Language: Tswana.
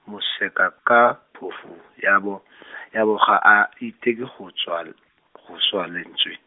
moseka ka phofu ya bo , ya bo ga a, iteke go tswa l-, go swa lentswe.